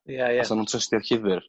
ia ia 'sa nw'n trystio'r llyfr